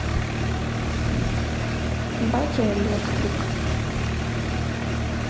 батя электрик